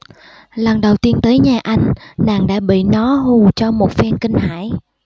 lần đầu tiên tới nhà anh nàng đã bị nó hù cho một phen kinh hãi